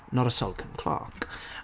Not a soul can clock.